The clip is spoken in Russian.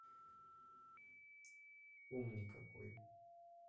умный какой